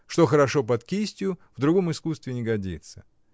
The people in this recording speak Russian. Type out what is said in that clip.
Что хорошо под кистью, в другом искусстве не годится.